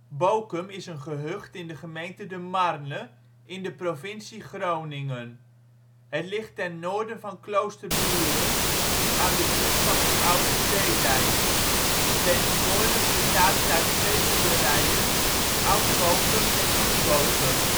Bokum is een gehucht in de gemeente De Marne in de provincie Groningen. Het ligt ten noorden van Kloosterburen aan de voet van een oude zeedijk. Tegenwoordig bestaat het uit twee boerderijen: Oud-Bokum en Nieuw Bokum